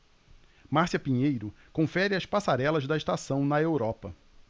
márcia pinheiro confere as passarelas da estação na europa